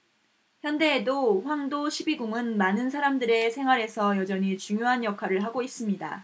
현대에도 황도 십이궁은 많은 사람들의 생활에서 여전히 중요한 역할을 하고 있습니다